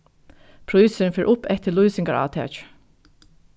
prísurin fer upp eftir lýsingarátakið